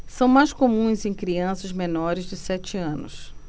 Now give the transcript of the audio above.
são mais comuns em crianças menores de sete anos